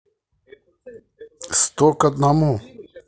сто к одному